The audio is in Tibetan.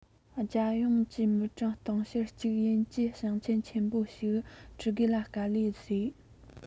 རྒྱལ ཡོངས ཀྱི མི གྲངས དུང ཕྱུར གཅིག ཡན གྱི ཞིང ཆེན ཆེན པོ ཞིག དྲུད དགོས ལ དཀའ ལས བཟོ